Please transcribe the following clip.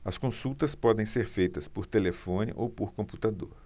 as consultas podem ser feitas por telefone ou por computador